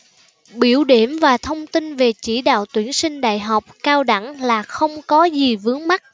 biểu điểm và thông tin về chỉ đạo tuyển sinh đại học cao đẳng là không có gì vướng mắc